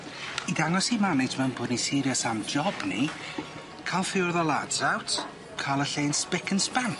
I dangos i management bo' ni serious am job ni ca'l few o the lads out, ca'l y lle yn sbic an' sban.